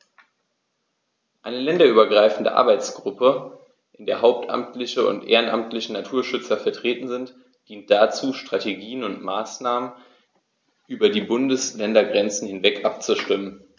Eine länderübergreifende Arbeitsgruppe, in der hauptamtliche und ehrenamtliche Naturschützer vertreten sind, dient dazu, Strategien und Maßnahmen über die Bundesländergrenzen hinweg abzustimmen.